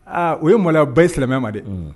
Aa o ye maloya ba silamɛmɛ ma de